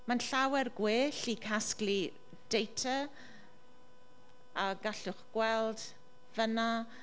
Mae'n llawer gwell i casglu data a gallwch gweld fan'na.